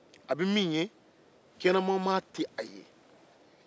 a bɛ min ye kɛnɛmamaa tɛ a ye